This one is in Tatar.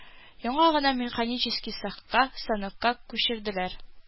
Яңа гына механический цехка, станокка күчерделәр